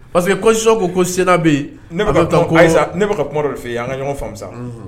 Parce que kotu ko ko sen bɛ yen ne taa taa ayi ne ka kuma dɔ de fɛ yen an ka ɲɔgɔn fasa